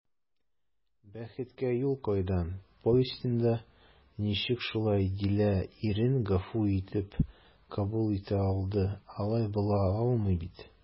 «бәхеткә юл кайдан» повестенда ничек шулай дилә ирен гафу итеп кабул итә алды, алай була алмый бит?»